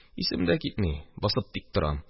Исем дә китми, басып тик торам.